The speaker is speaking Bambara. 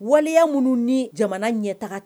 Waleya minnu ni jamana ɲɛtaa ten